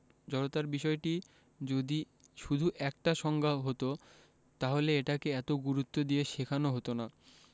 জড়তার বিষয়টি যদি শুধু একটা সংজ্ঞা হতো তাহলে এটাকে এত গুরুত্ব দিয়ে শেখানো হতো না